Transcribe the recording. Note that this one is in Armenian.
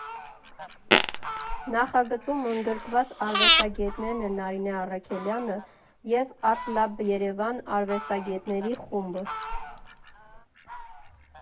Նախագծում ընդգրկված արվեստագետներն են Նարինե Առաքելեանը և «ԱրտլաբԵրևան» արվեստագետների խումբը։